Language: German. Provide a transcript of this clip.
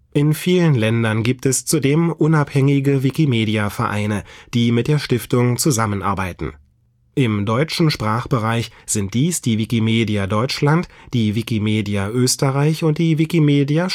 In vielen Ländern gibt es zudem unabhängige Wikimedia-Vereine, die mit der Stiftung zusammenarbeiten. Im deutschen Sprachbereich sind dies die Wikimedia Deutschland, die Wikimedia Österreich und die Wikimedia